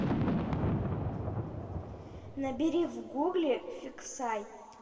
набери в гугле фиксай